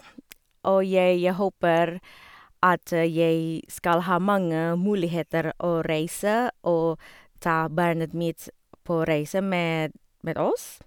Og jeg håper at jeg skal ha mange muligheter å reise og ta barnet mitt på reise med med oss.